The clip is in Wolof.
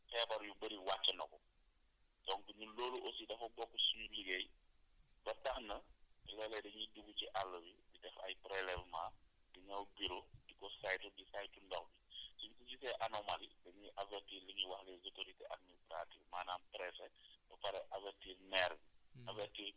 maanaam feebar yu bëri wàcc na ko donc ñun loolu aussi dafa bokk suñuy liggéey ba tax na léeg-léeg dañuy dugg ci àll bi di def ay prélèvement di ñëw di Giro di ko saytu di saytu ndox bi suñu gisee anomalie dañuy avertir li ñuy wax les autorités administratives maanaam préfet ñu pare avertir maire